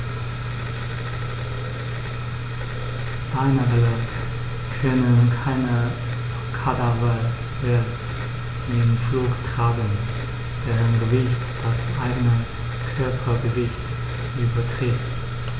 Steinadler können keine Kadaver im Flug tragen, deren Gewicht das eigene Körpergewicht übertrifft.